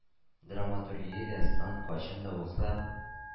Драматургиядә сан кайчан да булса